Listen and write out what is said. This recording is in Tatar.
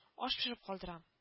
Аш пешереп калдырам